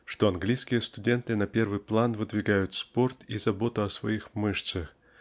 что английские студенты на первый план выдвигают спорт и заботу о своих мышцах